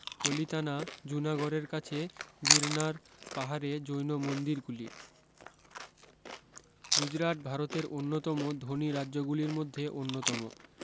পলিতানা জুনাগড়ের কাছে গিরনার পাহাড়ে জৈন মন্দিরগুলি গুজরাট ভারতের অন্যতম ধনী রাজ্যগুলির মধ্যে অন্যতম